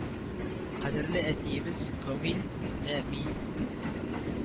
Кадерле әтиебез Камил Нәми